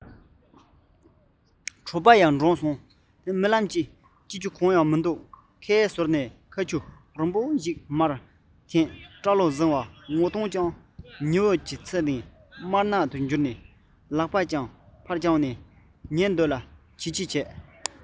གྲོད པ ཡང འགྲངས སོང རྨི ལམ ནི སྐྱིད རྒྱུ གང ཡང མི འདུག ཁའི ཟུར ནས ཁ ཆུ རིང པོ ཞིག མར འཐེན སྐྲ ལོ ཟིང བ ངོ གདོང ཀྱང ཉི འོད ཀྱིས ཚིག ནས དམར ནག ཏུ གྱུར ལག པ ཕར བརྐྱངས ནས ཉལ གདོང ལ བྱིལ བྱིལ བྱེད